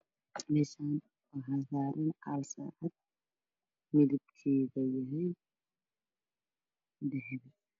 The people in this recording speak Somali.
Meeshan waxaa saaran saacad midifkeedu yahay dahabi miiska waa cadaan